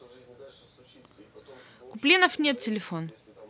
куплинов нет тел